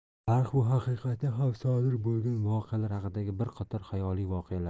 tarix bu haqiqatan ham sodir bo'lgan voqealar haqidagi bir qator xayoliy voqealar